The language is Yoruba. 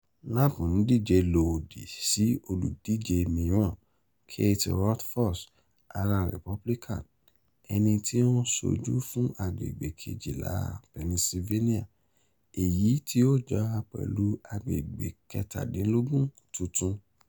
Lamb ń díje lòdì sí olùdíje mìíràn, Keith Rothfus ará Republican, ẹni tí ó ń ṣojú fún agbègbè kejìlá Pennsylvania, èyí tí ó jọra pẹ̀lú agbẹ̀gbẹ̀ kẹ́tàdínlógún tuntun.